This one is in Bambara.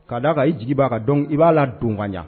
K'a d'a kan i jigi b'a kan donc i b'a ladon ka ɲa